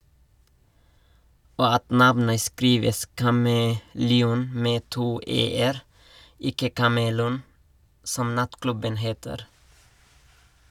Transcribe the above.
Og at navnet skrives kameleon - med to e-er - ikke "Kamelon", som nattklubben heter.